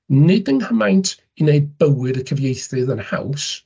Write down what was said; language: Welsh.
Nid yng nghymaint i wneud bywyd y cyfeithydd yn haws.